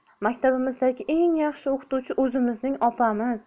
maktabdagi eng yaxshi o'qi tuvchi o'zimizni opamiz